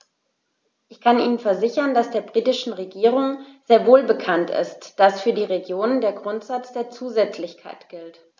Ich kann Ihnen versichern, dass der britischen Regierung sehr wohl bekannt ist, dass für die Regionen der Grundsatz der Zusätzlichkeit gilt.